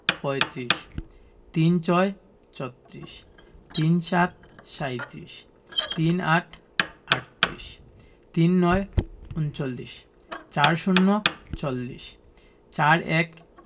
পঁয়ত্রিশ ৩৬ - ছত্রিশ ৩৭ - সাঁইত্রিশ ৩৮ - আটত্রিশ ৩৯ - ঊনচল্লিশ ৪০ - চল্লিশ ৪১